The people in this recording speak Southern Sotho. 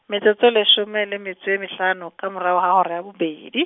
metsotso e leshome, le metso e mehlano, ka morao ho hora ya bobedi.